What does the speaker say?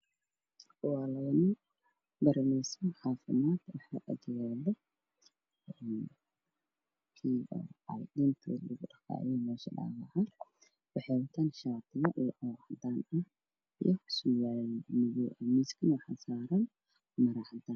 Waa farmasi caafimaadayatii backup dhayayaan meesha dhaawacan waxay Watan shaatiyo cadaana iyo surwaalo madamadw miiska waxasaaran maro cadaana